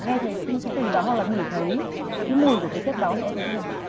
nghe thấy cái từ đó hoặc là ngửi thấy cái mùi của cái chất đó thì em thấy thế nào